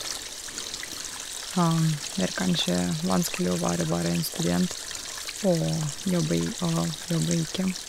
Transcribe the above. Det er kanskje vanskelig å være bare en student og jobbe i og jobbe ikke.